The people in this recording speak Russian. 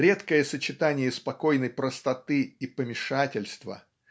Редкое сочетание спокойной простоты и помешательства